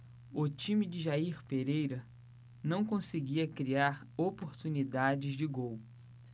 o time de jair pereira não conseguia criar oportunidades de gol